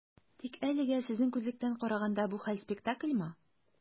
Тик әлегә, сезнең күзлектән караганда, бу хәл - спектакльмы?